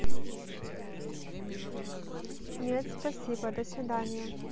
нет спасибо до свидания